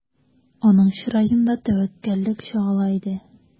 Аның чыраенда тәвәккәллек чагыла иде.